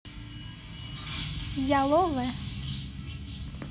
я love